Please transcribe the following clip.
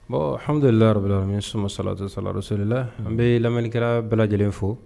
Bon hadullabumi so sala salasolila an bɛ la kɛra bɛɛ lajɛlen fo